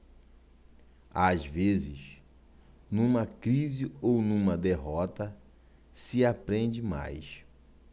às vezes numa crise ou numa derrota se aprende mais